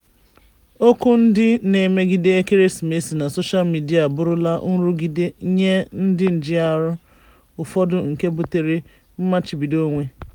Okwu ndị na-emegide ekeresimesi na soshal midịa abụrụla nrụgide nye ndị njiarụ ụfọdụ nke buture mmachibido onwe.